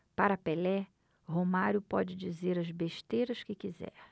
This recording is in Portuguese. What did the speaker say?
para pelé romário pode dizer as besteiras que quiser